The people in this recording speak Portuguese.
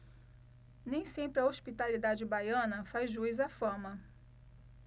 nem sempre a hospitalidade baiana faz jus à fama